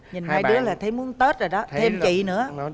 nhìn hai đứa là thấy muốn tết rồi đó thêm chị nữa